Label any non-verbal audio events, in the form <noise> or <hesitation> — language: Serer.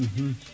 <hesitation> <hesitation>